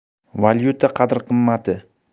valyuta qadr qimmati